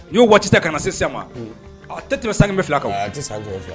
N y'o waati tɛ ka na sisan ma a tɛ tɛmɛ san bɛ fila kan tɛ sa